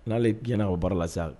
N'ale diɲɛ o baara la